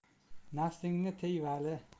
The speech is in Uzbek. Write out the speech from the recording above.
nafsini tiygan vali